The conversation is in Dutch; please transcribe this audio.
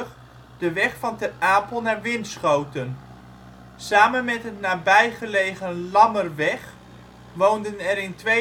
N976, de weg van Ter Apel naar Winschoten. Samen met het nabijgelegen Lammerweg woonden er in